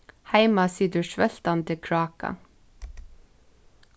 heima situr svøltandi kráka